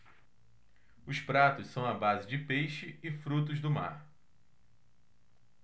os pratos são à base de peixe e frutos do mar